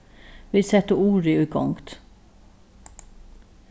vit settu urið í gongd